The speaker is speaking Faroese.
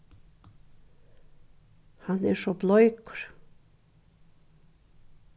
hann er so bleikur